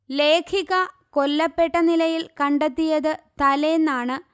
ലേഖിക കൊല്ലപ്പെട്ട നിലയിൽ കണ്ടെത്തിയത് തലേന്നാണ്